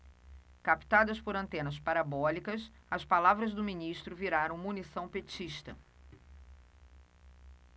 captadas por antenas parabólicas as palavras do ministro viraram munição petista